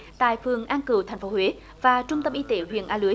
tại phường an cửu thành phố huế và trung tâm y tế huyện a lưới